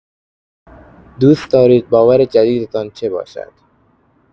دوست دارید باور جدیدتان چه باشد؟